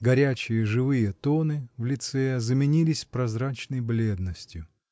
Горячие, живые тоны в лице заменились прозрачной бледностью.